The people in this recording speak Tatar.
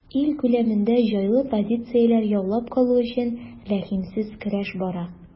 Ил күләмендә җайлы позицияләр яулап калу өчен рәхимсез көрәш бара.